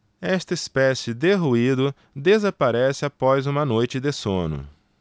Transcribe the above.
esta espécie de ruído desaparece após uma noite de sono